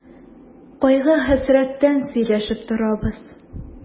Кайгы-хәсрәттән сөйләшеп торабыз.